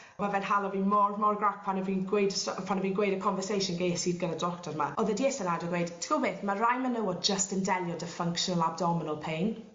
Ma' fe'n hala fi mor mor grac pan 'yf fi'n gweud y sto- pan 'yf fin gweud y conversation ges i gyda'r doctor 'ma o'dd e 'di eistedd lawr a gweud t'go' beth ma' rai menywod jyst yn delio 'dy functional abdominal pain.